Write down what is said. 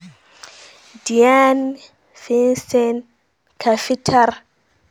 Dianne Feinstein, ka fitar?